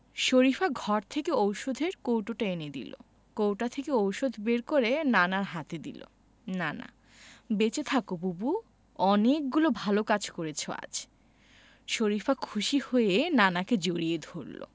শরিফা ঘর থেকে ঔষধের কৌটোটা এনে দিল কৌটা থেকে ঔষধ বের করে নানার হাতে দিল নানা বেঁচে থাকো বুবু অনেকগুলো ভালো কাজ করেছ আজ শরিফা খুশি হয়ে নানাকে জড়িয়ে ধরল